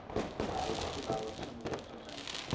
baliqchi baliqchini uzoqdan taniydi